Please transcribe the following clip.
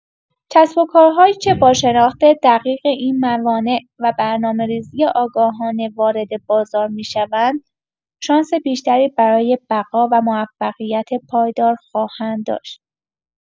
کسب‌وکارهایی که با شناخت دقیق این موانع و برنامه‌ریزی آگاهانه وارد بازار می‌شوند، شانس بیشتری برای بقا و موفقیت پایدار خواهند داشت.